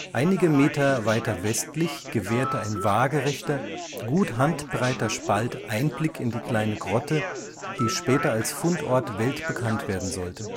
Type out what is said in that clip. Einige Meter weiter westlich gewährte ein waagerechter, gut handbreiter Spalt Einblick in die kleine Grotte, die später als Fundort weltbekannt werden sollte